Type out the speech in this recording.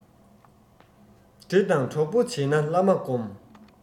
འདྲེ དང གྲོགས པོ བྱེད ན བླ མ སྒོམས